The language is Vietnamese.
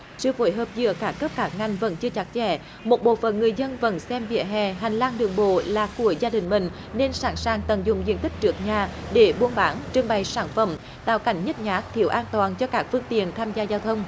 sự phối hợp giữa các cấp các ngành vẫn chưa chặt chẽ một bộ phận người dân vẫn xem vỉa hè hành lang đường bộ là của gia đình mình nên sẵn sàng tận dụng diện tích trước nhà để buôn bán trưng bày sản phẩm tạo cảnh nhếch nhác thiếu an toàn cho các phương tiện tham gia giao thông